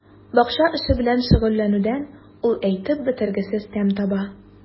Бакча эше белән шөгыльләнүдән ул әйтеп бетергесез тәм таба.